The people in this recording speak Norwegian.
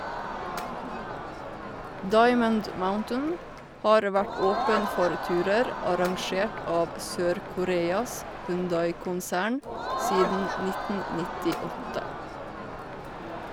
Diamond Mountain har vært åpen for turer arrangert av Sør-Koreas Hyundai-konsern siden 1998.